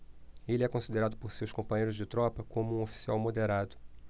ele é considerado por seus companheiros de tropa como um oficial moderado